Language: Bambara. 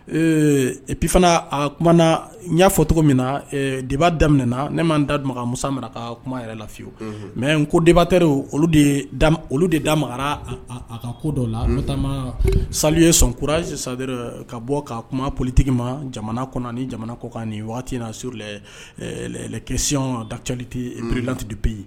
Eep fana aumana y'a fɔ cogo min na deba damin na ne ma da musa mara ka kuma yɛrɛ layewu mɛ n ko denbatɛr olu olu de da mara a ka ko dɔ la sali ye sonkura sisan ka bɔ ka kuma politigi ma jamana kɔnɔna ni jamana kokan waati in na s kɛsi dacli tɛ pereltidi bɛ yen